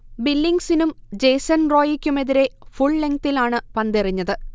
ബില്ലിങ്സിനും Jason റോയിക്കും എതിരെ ഫുൾലെങ്തിലാണു പന്തെറിഞ്ഞത്